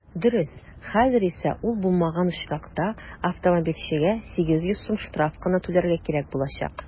Дөрес, хәзер исә ул булмаган очракта автомобильчегә 800 сум штраф кына түләргә кирәк булачак.